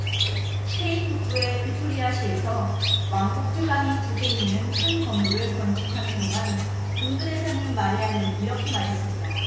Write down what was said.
스페인 북부의 비토리아 시에서 왕국회관이 두 개 있는 한 건물을 건축하는 동안 인근에 사는 마리안은 이렇게 말했습니다